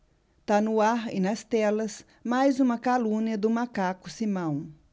tá no ar e nas telas mais uma calúnia do macaco simão